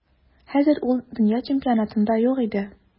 Хәзер ул дөнья чемпионатында юк иде.